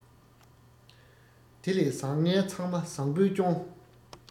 དེ ལས བཟང ངན ཚང མ བཟང པོས སྐྱོངས